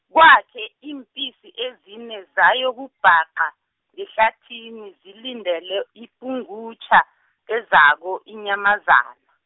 kwakhe iimpisi ezine zayokubhaqa, ngehlathini zilindele ipungutjha, ezako inyamazana.